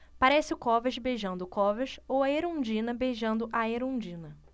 parece o covas beijando o covas ou a erundina beijando a erundina